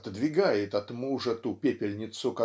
отодвигает от мужа ту пепельницу